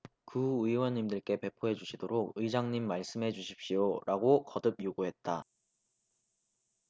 구의원님들께 배포해 주시도록 의장님 말씀해 주십시오라고 거듭 요구했다